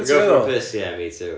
I'm going for a piss yeah me too